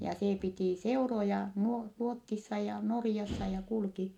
ja se piti seuroja - Ruotsissa ja Norjassa ja kulki